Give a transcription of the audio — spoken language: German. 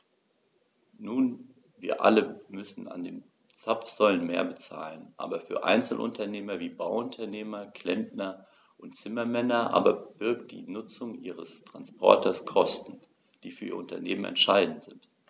Nun wir alle müssen an den Zapfsäulen mehr bezahlen, aber für Einzelunternehmer wie Bauunternehmer, Klempner und Zimmermänner aber birgt die Nutzung ihres Transporters Kosten, die für ihr Unternehmen entscheidend sind.